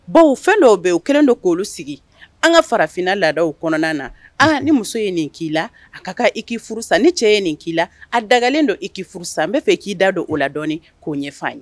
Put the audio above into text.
Bon o fɛn dɔw bɛ o kɛlen don k'olu sigi an ka farafinna laadaw kɔnɔna na aa ni muso ye nin k'i la a ka ka iki furusa ni cɛ ye nin k'i la a dagalen don iki furusa n bɛa fɛ k'i da don o ladɔni k'o ɲɛ' an ye